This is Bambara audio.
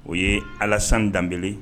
O ye alaz danb